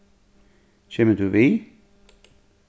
kemur tú við